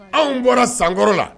Anw bɔra sankɔrɔ la